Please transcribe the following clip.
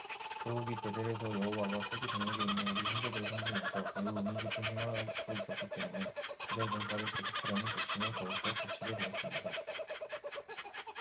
더욱이 베델에서 여호와와 세계 전역에 있는 우리 형제들을 섬기면서 매우 의미 깊은 생활을 하고 있었기 때문에 베델 봉사를 계속하려는 결심을 더욱더 굳히게 되었습니다